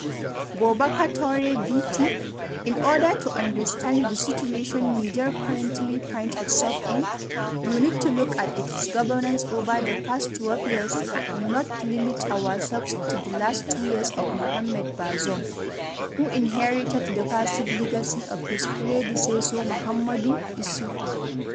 Boubacar Touré (BT): In order to understand the situation Niger currently finds itself in, you need to look at its governance over the past 12 years, and not limit ourselves to the last two years of Mohamed Bazoum, who inherited the passive legacy of his predecessor Mahamadou Issoufou.